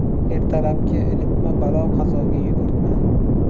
ertalabki ilitma balo qazoga yugurtma